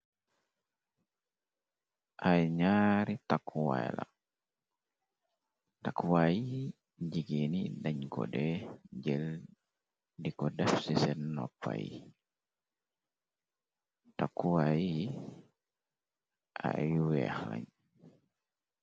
Ay ñaari takkuwaay la, takkuwaay yi jigeen yi dañ kode jël di ko def ci seen noppa yi, takkuwaay yi ay weex lañ.